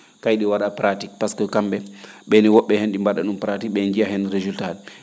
kañ ?i wa?a pratique pasque kam?e ?eenin wo??e heen ?i mba?a ?um pratique ?en njiya heen résultat